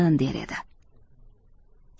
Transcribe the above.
der edi